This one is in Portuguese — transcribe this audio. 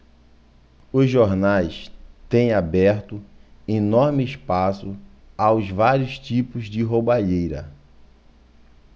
os jornais têm aberto enorme espaço aos vários tipos de roubalheira